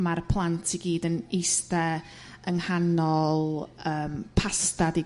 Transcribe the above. ma'r plant i gyd yn iste' yng nghanol yrm pasta 'di